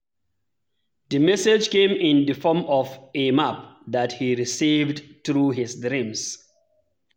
The message came in the form of a map that he received through his dreams.